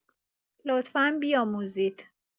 لطفا بیاموزید